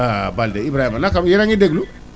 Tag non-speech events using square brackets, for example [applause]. [hesitation] Baldé Ibrahima nakamu yéen a ngi déglu